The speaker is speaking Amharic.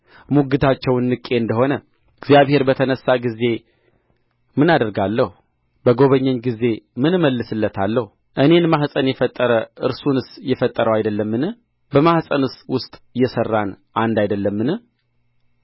ሙግታቸውን ንቄ እንደ ሆነ እግዚአብሔር በተነሣ ጊዜ ምን አደርጋለሁ በጐበኘኝ ጊዜ ምን እመልስለታለሁ እኔን በማኅፀን የፈጠረ እርሱንስ የፈጠረው አይደለምን በማኅፀንስ ውስጥ የሠራን አንድ አይደለንምን